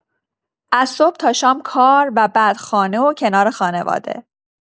از صبح تا شام کار و بعد خانه و کنار خانواده.